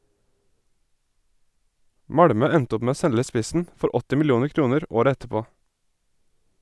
Malmö endte opp med å selge spissen for 80 millioner kroner året etterpå.